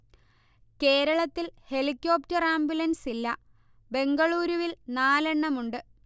കേരളത്തിൽ helicopter ambulance ഇല്ല ബെംഗളൂരുവിൽ നാലെണ്ണമുണ്ട്